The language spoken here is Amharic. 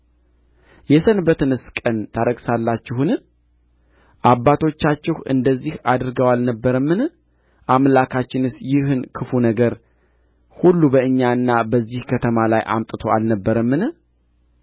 የሰንበትንስ ቀን ታረክሳላችሁን አባቶቻችሁ እንደዚህ አድርገው አልነበረምን አምላካችንስ ይህን ክፉ ነገር ሁሉ በእኛና በዚህ ከተማ ላይ አምጥቶ አልነበረምን